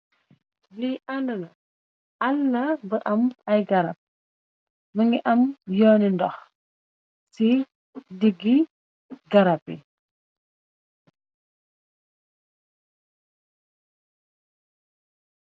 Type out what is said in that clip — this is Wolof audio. Li àllu la, àllu la bu am ay garab, më ngi am yooni ndoh ci diggi garab yi.